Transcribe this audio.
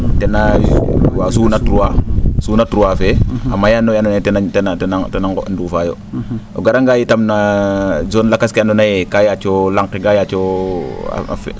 ten a waa suuna trois suuna trois fee a maya no kee andoona yee tena tena nduufa yo o garanga yitan no zone lakas ke andoona yee kaa yaaco la? ke kaa yaaco